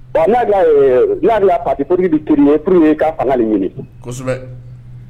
Bon ne hakili la parti politique bɛ créer pour que i ka fanga de ɲini, kosɛbɛ.